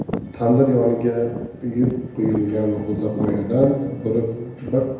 tandir yoniga uyib qo'yilgan g'o'zapoyadan bir